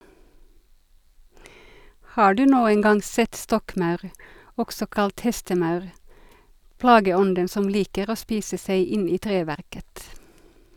Har du noen gang sett stokkmaur, også kalt hestemaur, plageånden som liker å spise seg inn i treverket?